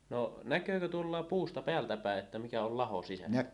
no näkeekö tuolla lailla puusta päältä päin että mikä on laho sisästä